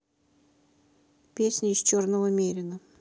песня из черного мерина